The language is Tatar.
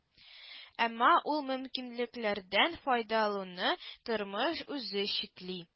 Әмма ул мөмкинлекләрдән файдалуны тормыш үзе чикли